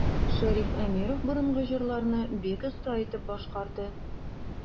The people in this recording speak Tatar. Шәриф Әмиров борынгы җырларны бик оста итеп башкарды.